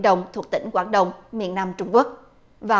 đông thuộc tỉnh quảng đông miền nam trung quốc vào